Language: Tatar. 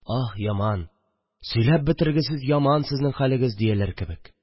– аһ, яман, сөйләп бетергесез яман сезнең хәлегез, – дияләр кебек